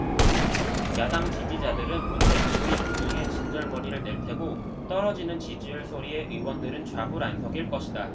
야당 지지자들은 문 대표의 무능에 진절머리를 낼 테고 떨어지는 지지율 소리에 의원들은 좌불안석일 것이다